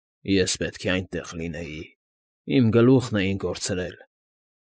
Ես պետք է այնտեղ լինեի, իմ գլուխն էին կորցրել։